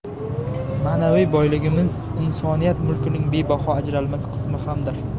ma'naviy boyligimiz insoniyat mulkining bebaho ajralmas qismi hamdir